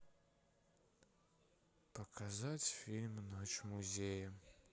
показать фильм ночь в музее